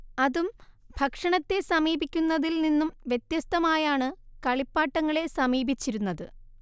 അതും ഭക്ഷണത്തെ സമീപിക്കുന്നതിൽ നിന്നും വ്യത്യസ്തമായാണ് കളിപ്പാട്ടങ്ങളെ സമീപിച്ചിരുന്നത്